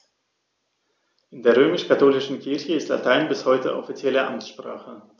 In der römisch-katholischen Kirche ist Latein bis heute offizielle Amtssprache.